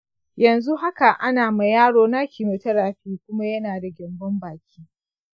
yanzu haka ana ma yaro na chemotherapy kuma yana da gyambon baki.